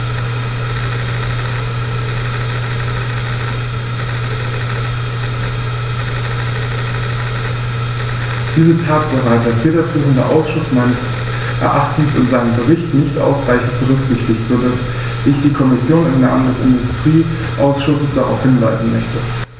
Diese Tatsache hat der federführende Ausschuss meines Erachtens in seinem Bericht nicht ausreichend berücksichtigt, so dass ich die Kommission im Namen des Industrieausschusses darauf hinweisen möchte.